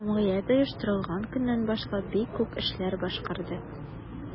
Җәмгыять оештырылган көннән башлап бик күп эшләр башкарды.